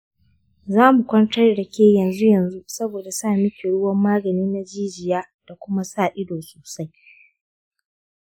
zamu kwantar dake yanzu yanzu saboda samiki ruwan magani na jijiya da kuma sa ido sosai.